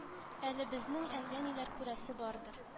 Әле безнең әллә ниләр күрәсе бардыр